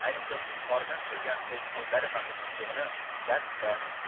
ayniqsa uning porlab turgan ko'k ko'zlari hamda tumshug'ini katta